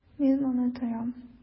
Мин моны тоям.